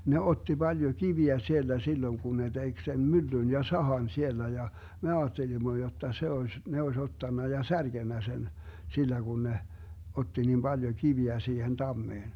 ne otti paljon kiviä sieltä silloin kun ne teki sen myllyn ja sahan siellä ja me ajattelimme jotta se olisi ne olisi ottanut ja särkenyt sen sillä kun ne otti niin paljon kiviä siihen tammeen